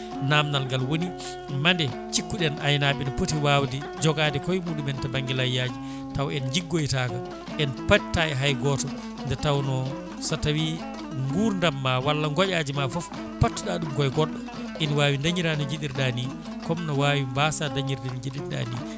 namdal wooni mande cikkuɗen aynaɓe ene pooti wawde jogade kooye muɗumen to banggue layyaji taw en joggoytako en patta e hay goto nde tawno so tawi gurdam ma walla goƴaji ma foof pattuɗa ɗum koye goɗɗo ina wawi dañira no jiiɗirɗa ni comme ne wawi mbasa dañirde no jiɗirɗa ni